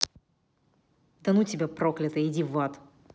да ну тебя проклятая иди в ад